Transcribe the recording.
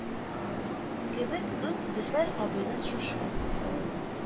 Кебек үк зөфәр абыйның шушы